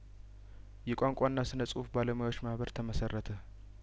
የቋንቋና ስነ ጽሁፍ ባለሙያዎች ማህበር ተመሰረተ